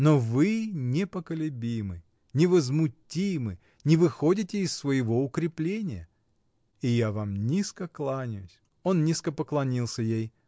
Но вы непоколебимы, невозмутимы, не выходите из своего укрепления. и я вам низко кланяюсь. Он низко поклонился ей.